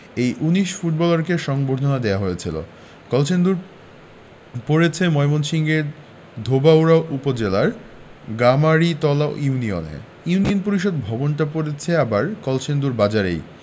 এই ১৯ ফুটবলারকে সংবর্ধনা দেওয়া হয়েছিল কলসিন্দুর পড়েছে ময়মনসিংহের ধোবাউড়া উপজেলার গামারিতলা ইউনিয়নে ইউনিয়ন পরিষদ ভবনটা পড়েছে আবার কলসিন্দুর বাজারেই